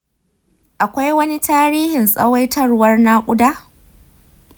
akwai wani tarihin tsawaitwar naƙuda?